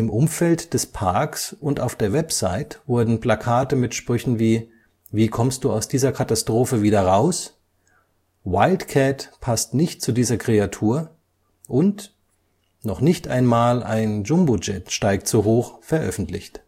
Umfeld des Parks und auf der Website wurden Plakate mit Sprüchen wie „ Wie kommst Du aus dieser Katastrophe wieder raus? “,„ Wildcat passt nicht zu dieser Kreatur “und „ Noch nicht einmal ein Jumbojet steigt so hoch “veröffentlicht